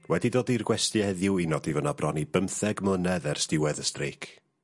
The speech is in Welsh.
...wedi dod i'r gwesty heddiw i nodi fo 'na bron i bymtheg mlynedd ers diwedd y streic.